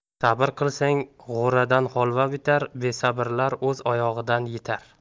sabr qilsang g'o'radan holva bitar besabrlar o'z oyog'idan yitar